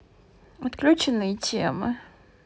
отключенные темы